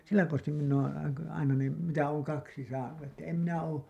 sillä konstilla minä olen aina ne mitä olen kaksi saanut että en minä ole